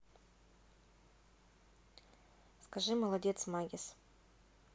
скажи молодец магис